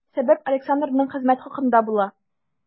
Сәбәп Александрның хезмәт хакында була.